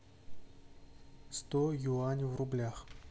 сто юань в рублях